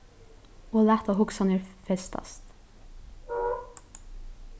og lata hugsanir festast